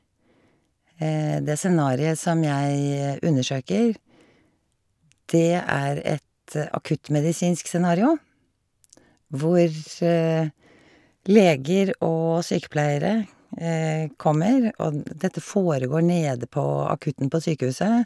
Det scenariet som jeg undersøker, det er et akuttmedisinsk scenario hvor leger og sykepleiere kommer, og d dette foregår nede på akutten på sykehuset.